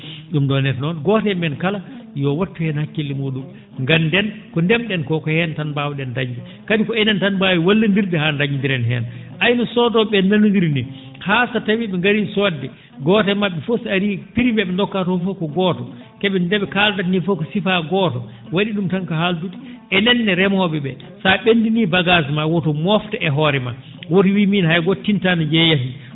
?um noon en noon gooto e men kala yo wattu heen hakkille mu?um ngannden ko ndem?en ko heen tan mbaaw?en dañde kadi ko enen tan mbaawi wallonndirde haa dañonndiren heen a yiyii no soodoo?e ?ee nanonndiri nii haa so tawii ?e ngarii soodde gooto e ma??e fof so arii prix mo ?e ndokkata oo fof ko gooto ke ?e nde ?e kaaldata nii fof ko sifa gooto wa?ii ?um tan ko haaldude enen ne remoo?e ?ee so a ?enndinii bagage maa wata mooftu e hoore maa woto wii miin hay gooto tinataa nde njeeyatmi